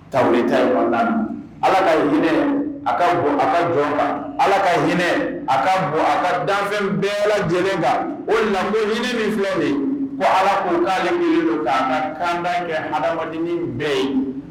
Ta ta ɲɔgɔnda ala ka hinɛ a ka bɔ a ka jɔnba ala ka hinɛ a ka bɔ a ka danfɛn bɛɛ lajɛlenlenba olan ɲinin min filɛ de ko ala k' k'ale don k'a ka kan kɛ ha bɛɛ ye